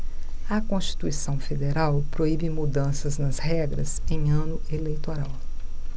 a constituição federal proíbe mudanças nas regras em ano eleitoral